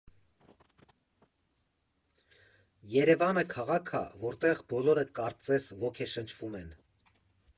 Երևանը քաղաք ա, որտեղ բոլորը կարծես ոգեշնչվում են։